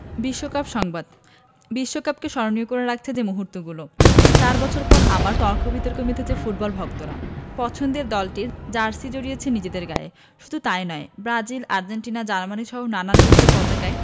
বিশ্বকাপ সংবাদ বিশ্বকাপকে স্মরণীয় করে রাখছে যে মুহূর্তগুলো চার বছর পর আবারও তর্ক বিতর্কে মেতেছেন ফুটবল ভক্তরা পছন্দের দলটির জার্সি জড়িয়েছেন নিজেদের গায়ে শুধু তা ই নয় ব্রাজিল আর্জেন্টিনা জার্মানিসহ নানান দেশের পতাকায়